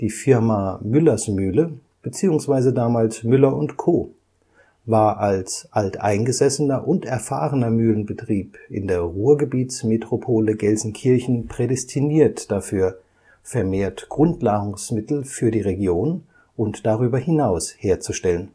Firma Müller’ s Mühle bzw. damals Müller & Co. war als alteingesessener und erfahrener Mühlenbetrieb in der Ruhrgebietsmetropole Gelsenkirchen prädestiniert dafür, vermehrt Grundnahrungsmittel für die Region und darüber hinaus herzustellen